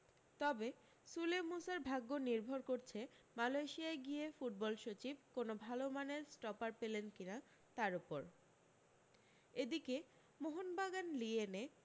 তবে সুলে মুসার ভাগ্য নির্ভর করছে মালয়েশিয়ায় গিয়ে ফুটবল সচিব কোনও ভালো মানের স্টপার পেলেন কিনা তার উপর এদিকে মোহন বাগান লিয়েনে